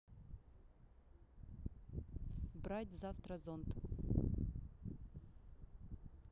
брать завтра зонт